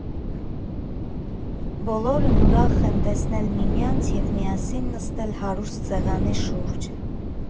Բոլորն ուրախ են տեսնել միմյանց և միասին նստելու հարուստ սեղանի շուրջ։